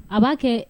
A bba kɛ